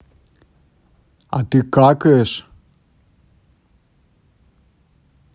а ты какаешь